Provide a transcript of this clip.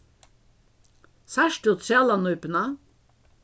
sært tú trælanípuna